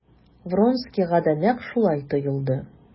Вронскийга да нәкъ шулай тоелды.